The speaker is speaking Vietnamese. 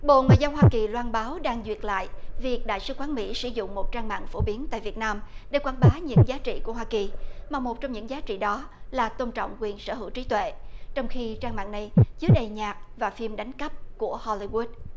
bộ ngoại giao hoa kỳ loan báo đang duyệt lại việc đại sứ quán mỹ sử dụng một trang mạng phổ biến tại việt nam để quảng bá những giá trị của hoa kỳ mà một trong những giá trị đó là tôn trọng quyền sở hữu trí tuệ trong khi trang mạng này chứa đầy nhạc và phim đánh cắp của ho li guốt